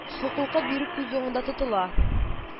Хокукы бирү күз уңында тотыла